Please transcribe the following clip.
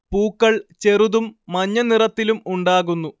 പൂക്കൾ ചെറുതും മഞ്ഞ നിറത്തിലും ഉണ്ടാകുന്നു